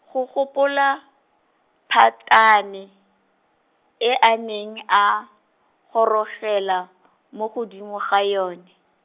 go gopola phatane, e a neng a, gorogela , mo godimo ga yone.